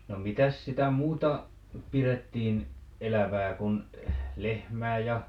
no mitäs sitä muuta pidettiin elävää kuin lehmää ja